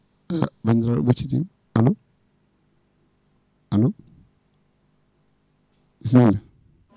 banndiraa?o oo ?occitiima alo alo bisimilla